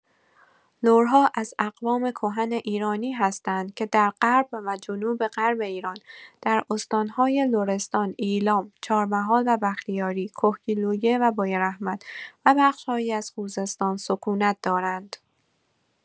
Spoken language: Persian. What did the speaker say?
لرها از اقوام کهن ایرانی هستند که در غرب و جنوب‌غرب ایران، در استان‌های لرستان، ایلام، چهارمحال و بختیاری، کهگیلویه و بویراحمد و بخش‌هایی از خوزستان سکونت دارند.